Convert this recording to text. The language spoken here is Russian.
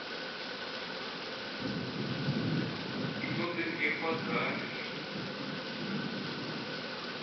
что ты мне подаришь